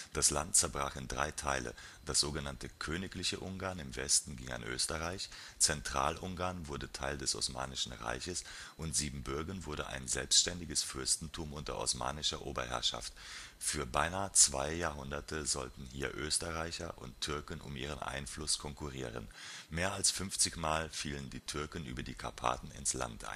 Das Land zerbrach in 3 Teile: Das sogenannte Königliche Ungarn im Westen ging an Österreich, Zentralungarn wurde Teil des Osmanischen Reiches, und Siebenbürgen wurde ein selbständiges Fürstentum unter osmanischer Oberherrschaft. Für beinahe zwei Jahrhunderte sollten hier Österreicher und Türken um ihren Einfluss konkurrieren. Mehr als 50 Mal fielen die Türken über die Karpaten ins Land